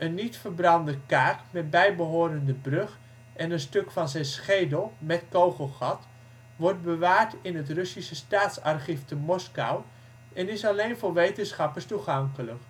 niet verbrande kaak met bijbehorende brug en een stuk van zijn schedel (met kogelgat) wordt bewaard in het Russisch Staatsarchief te Moskou en is alleen voor wetenschappers toegankelijk